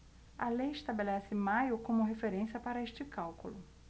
a lei estabelece maio como referência para este cálculo